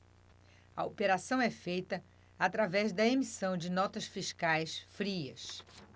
a operação é feita através da emissão de notas fiscais frias